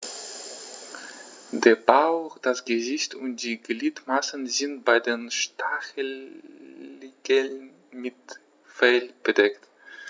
Der Bauch, das Gesicht und die Gliedmaßen sind bei den Stacheligeln mit Fell bedeckt.